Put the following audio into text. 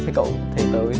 thế cậu